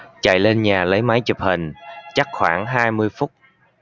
chạy lên nhà lấy máy chụp hình chắc khoảng hai mươi phút